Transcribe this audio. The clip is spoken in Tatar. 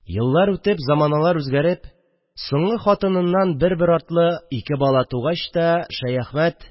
Еллар үтеп, заманалар үзгәреп, соңгы хатыныннан бер-бер артлы ике бала тугач та Шәяхмәт